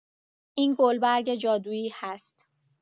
این گلبرگ جادویی هست.